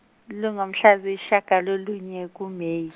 lingomhla ziyishagalolunye ku May.